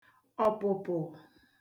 ọ̀pụ̀pụ̀